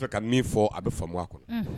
A bɛ ka min fɔ a bɛ fa faamuya kɔnɔ